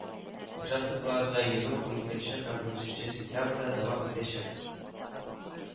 Участокларда йөрү уникенче һәм унөченче сентябрьдә дәвам итәчәк